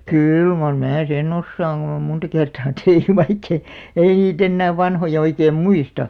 kyllä mar minä sen osaan kun on monta kertaa tehnyt vaikka ei ei niitä enää vanhoja oikein muista